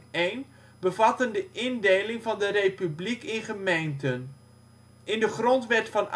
1800 en 1801 bevatten de indeling van de Republiek in gemeenten. In de grondwet van